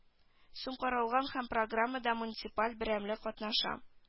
Сум каралган һәм программада муниципаль берәмлек катнаша